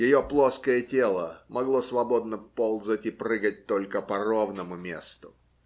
ее плоское тело могло свободно ползать и прыгать только по ровному месту.